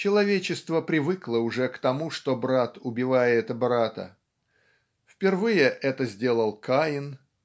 Человечество привыкло уже к тому, что брат убивает брата. Впервые это сделал Каин